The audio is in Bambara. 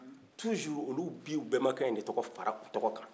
toujours olu b'i u bɛma kɛyin de tɔgɔ fara u tɔgɔ kan